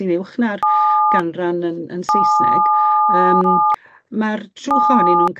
sy'n uwch na'r ganran yn yn Saesneg yym ma'r trwch ohonyn nw'n